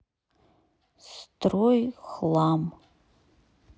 строй хлам